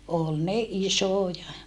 oli ne isoja